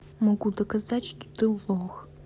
могу доказать что ты лох